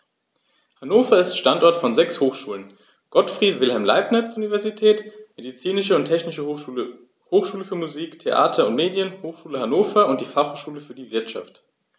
Hannover ist Standort von sechs Hochschulen: Gottfried Wilhelm Leibniz Universität, Medizinische und Tierärztliche Hochschule, Hochschule für Musik, Theater und Medien, Hochschule Hannover und die Fachhochschule für die Wirtschaft.